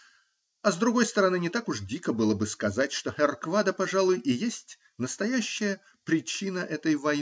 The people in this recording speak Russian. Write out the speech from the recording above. А с другой стороны -- не так уж дико было бы сказать, что херр Квада, пожалуй, и есть настоящая причина этой войны.